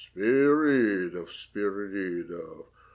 - Спиридов, Спиридов.